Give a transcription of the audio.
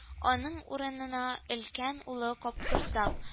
Аның урынына өлкән улы капкорсак —